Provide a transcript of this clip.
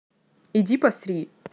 иди посри